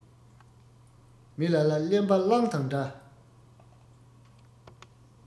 མི ལ ལ གླེན པ གླང དང འདྲ